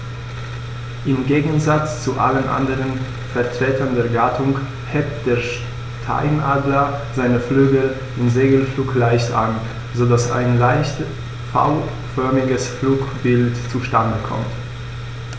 Im Gegensatz zu allen anderen Vertretern der Gattung hebt der Steinadler seine Flügel im Segelflug leicht an, so dass ein leicht V-förmiges Flugbild zustande kommt.